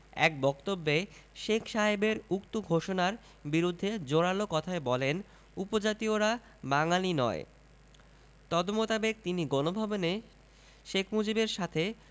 এক বক্তব্যে শেখ সাহেবের উক্ত ঘোষণার বিরুদ্ধে জোরালো কথায় বলেন উপজাতীয়রা বাঙালি নয় তদমোতাবেক তিনি গণভবনে শেখ মুজিবের সাথে